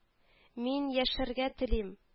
— мин яшәргә телим